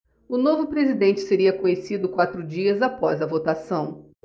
o novo presidente seria conhecido quatro dias após a votação